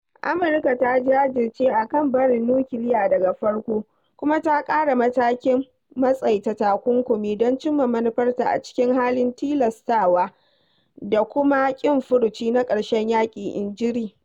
“Amurka ta jajirce a kan “barin nukiliya daga farko” kuma ta ƙara matakin matsai ta takunkumi don cimma manufarta a cikin halin tilastawa, da kuma ma ƙin “furuci na ƙarshen yaƙi,”” inji Ri.